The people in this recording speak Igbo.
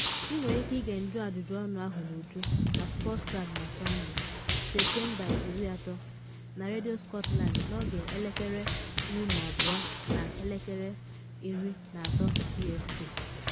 Ị nwere ike ịge njụajụjụ ọnụ ahụ n’uju na Sportsound na Sọnde, Septemba 30, na Radio Scotland n’oge 12:00 na 13:00 BST